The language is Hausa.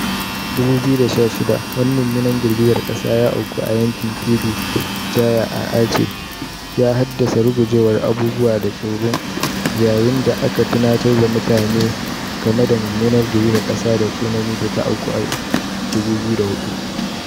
2016: Wani mummunan girgizar kasa ya auku a yankin Pidie Jaya a Aceh, ya haddasa rugurgujewar abubuwa da tsoro yayin da aka tunatar da mutane game da mummunan girgizar kasa da tsunami da ta auku a 2004.